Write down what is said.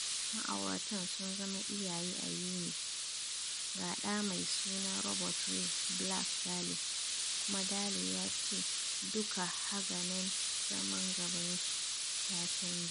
Ma’auratan sun zama iyaye a Yuni, ga ɗa mai suna Robert Ray Black-Daley, kuma Daley ya ce “dukka haganen zaman gaban shi” ya canja.